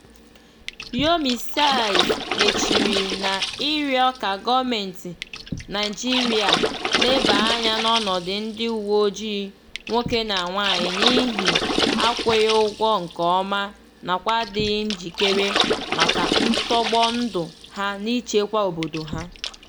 Yomi Says mechiri n'ịrịọ ka gọọmentị Naịjirịa lebaa anya n'ọnọdụ ndị uweojii nwoke na nwaanyị n'ihi akwụghị ụgwọ nkeọma nakwa adịghị njikere maka ntọgbọ ndụ ha n'ichekwa Obodo ha.